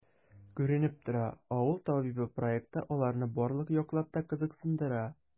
Күренеп тора,“Авыл табибы” проекты аларны барлык яклап та кызыксындыра.